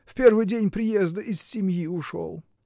В первый день приезда из семьи ушел.